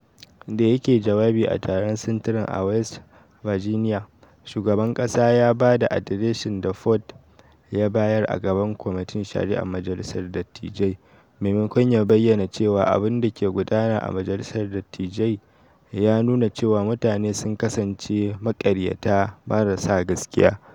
Da yake jawabi a taron sintirin a West Virginia, shugaban kasa ya ba da adireshin da Ford ya bayar a gaban komitin shari'ar Majalisar Dattijai, maimakon bayyana cewa abin da ke gudana a Majalisar Dattijai ya nuna cewa mutane sun kasance "maƙaryata marar sa gaskiya."